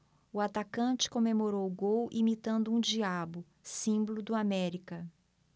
o atacante comemorou o gol imitando um diabo símbolo do américa